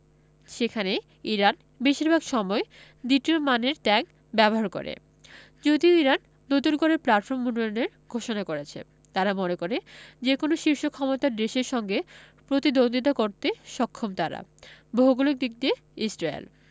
সেখানে ইরান বেশির ভাগ সময় দ্বিতীয় মানের ট্যাংক ব্যবহার করে যদিও ইরান নতুন করে প্ল্যাটফর্ম উন্নয়নের ঘোষণা করেছে তারা মনে করে যেকোনো শীর্ষ ক্ষমতার দেশের সঙ্গে প্রতিদ্বন্দ্বিতা করতে সক্ষম তারা ভৌগোলিক দিক দিয়ে ইসরায়েল